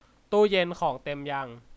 ตู้เย็นของเต็มยัง